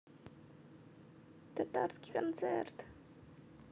татарский концерт